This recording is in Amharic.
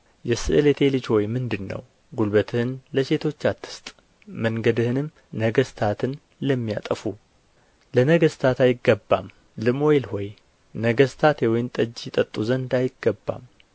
የስእለቴ ልጅ ሆይ ምንድን ነው ጕልበትህን ለሴቶች አትስጥ መንገድህንም ነገሥታትን ለሚያጠፉ ለነገሥታት አይገባም ልሙኤል ሆይ ነገሥታት የወይን ጠጅ ይጠጡ ዘንድ አይገባም